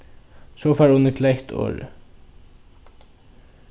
so fær uni klett orðið